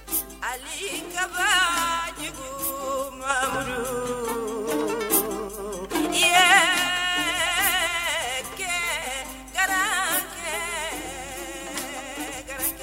Sanbajugu malɔ k kɛ g diɲɛ